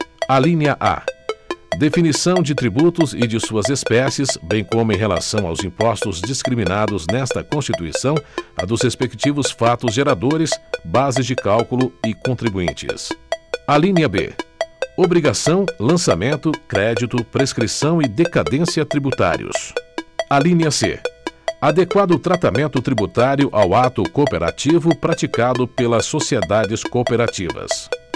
alínea a definição de tributos e de suas espécies bem como em relação aos impostos discriminados nesta constituição a dos respectivos fatos geradores bases de cálculo e contribuintes alínea b obrigação lançamento crédito prescrição e decadência tributários alínea c adequado tratamento tributário ao ato cooperativo praticado pelas sociedades cooperativas